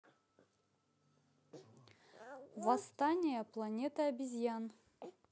восстание планеты обезьян